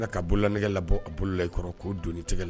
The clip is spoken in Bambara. Kla ka bolo la nɛgɛlabɔ a bolola in kɔrɔ k'o don ne tigɛ la